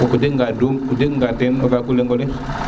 o jega nge teen o saku lenga le